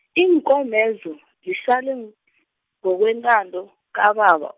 iinkomezo, zisale ng- ngokwentando, kababa.